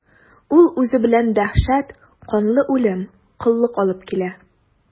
Ул үзе белән дәһшәт, канлы үлем, коллык алып килә.